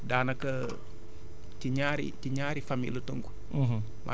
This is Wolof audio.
daanaka ci ñaari ci ñaari famille la tënku